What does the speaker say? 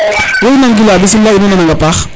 wo i nan gilwa bismila in way nanang a paax